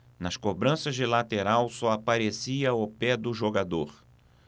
nas cobranças de lateral só aparecia o pé do jogador